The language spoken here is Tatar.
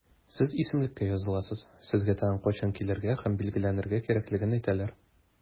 Сез исемлеккә языласыз, сезгә тагын кайчан килергә һәм билгеләнергә кирәклеген әйтәләр.